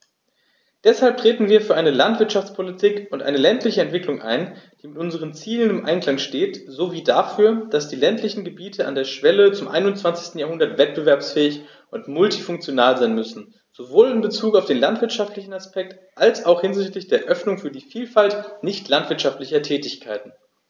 Deshalb treten wir für eine Landwirtschaftspolitik und eine ländliche Entwicklung ein, die mit unseren Zielen im Einklang steht, sowie dafür, dass die ländlichen Gebiete an der Schwelle zum 21. Jahrhundert wettbewerbsfähig und multifunktional sein müssen, sowohl in Bezug auf den landwirtschaftlichen Aspekt als auch hinsichtlich der Öffnung für die Vielfalt nicht landwirtschaftlicher Tätigkeiten.